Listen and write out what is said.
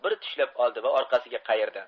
bir tishlab oldi va orqasiga qayirdi